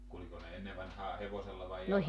kulkiko ne ennen vanhaan hevosella vai jalan